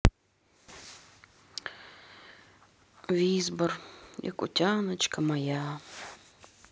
визбор якутяночка моя